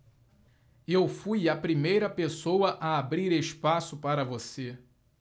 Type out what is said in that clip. eu fui a primeira pessoa a abrir espaço para você